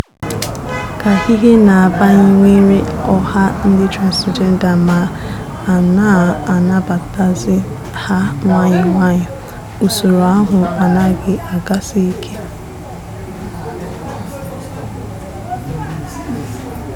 Ka ihe na-agbanwere ọha ndị transịjenda ma a na-anabatazị ha nwayọọ nwayọọ, usoro ahụ anaghị agasị ike.